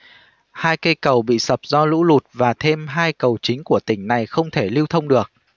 hai cây cầu bị sập do lũ lụt và thêm hai cầu chính của tỉnh này không thể lưu thông được